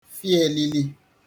fị elili